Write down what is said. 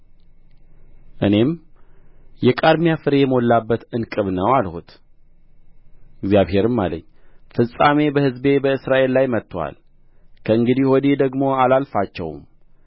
እኔም የቃርሚያ ፍሬ የሞላበት ዕንቅብ ነው አልሁት እግዚአብሔርም አለኝ ፍጻሜ በሕዝቤ በእስራኤል ላይ መጥቶአል ከእንግዲህ ወዲህ ደግሞ አላልፋቸውም